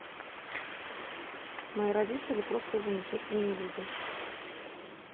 мои родители просто замечательные люди